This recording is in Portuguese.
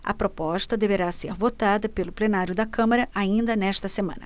a proposta deverá ser votada pelo plenário da câmara ainda nesta semana